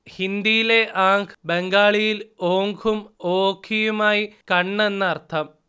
ഹിന്ദിയിലെ ആംഖ് ബംഗാളിയിൽ ഓംഖും ഓഖിയുമായി കണ്ണ് എന്ന് അർത്ഥം